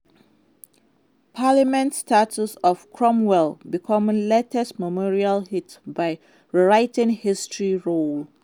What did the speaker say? Parliament's statue of Cromwell becomes latest memorial hit by 'rewriting history' row